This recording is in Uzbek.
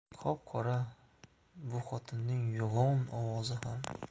qop qora buxotinning yo'g'on ovozi ham